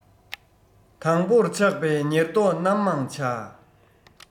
དང པོར ཆགས པའི ཉེར བསྡོགས རྣམ མང བྱ